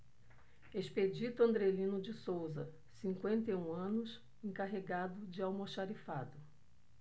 expedito andrelino de souza cinquenta e um anos encarregado de almoxarifado